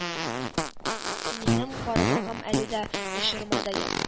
Минем кармагым әле дә очырмада ята